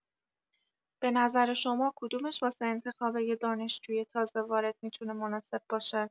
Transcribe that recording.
به نظر شما کدومش واسه انتخاب یه دانشجو تازه‌وارد می‌تونه مناسب باشه؟